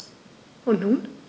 Und nun?